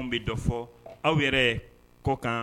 Anw bɛ dɔ fɔ aw yɛrɛ kɔ kan